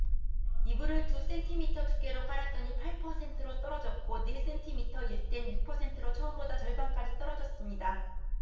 이불을 두 센티미터 두께로 깔았더니 팔 퍼센트로 떨어졌고 네 센티미터일 땐 육 퍼센트로 처음보다 절반까지 떨어졌습니다